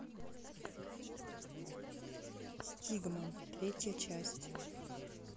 стигман третья часть